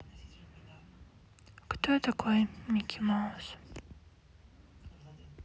кто такой микки маус